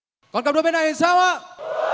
còn cặp đôi bên này thì sao ạ